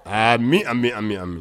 Aa min an bɛ ami bɛ an bi